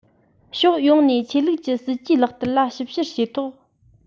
ཕྱོགས ཡོངས ནས ཆོས ལུགས ཀྱི སྲིད ཇུས ལག བསྟར ལ ཞིབ བཤེར བྱས ཐོག